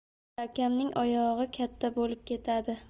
katta akamning oyog'i katta bo'lib ketadi